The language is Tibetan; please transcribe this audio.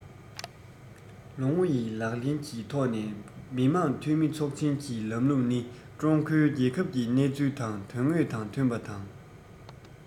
ལོ ངོ ཡི ལག ལེན གྱི ཐོག ནས མི དམངས འཐུས མི ཚོགས ཆེན གྱི ལམ ལུགས ནི ཀྲུང གོའི རྒྱལ ཁབ ཀྱི གནས ཚུལ དང དོན དངོས དང མཐུན པ དང